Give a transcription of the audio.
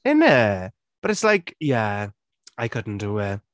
Innit! But it’s like yeah, I couldn’t do it.